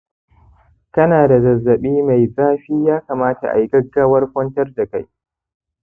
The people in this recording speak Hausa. kanada zazzabi mai zafi yakamata ayi gaggawar kwantar dakai